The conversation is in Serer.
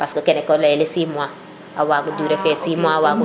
parce kene ko leyele 6 mois a wagu durer fe 6 mois wagu dey